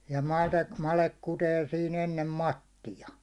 ja - made kutee siinä ennen mattia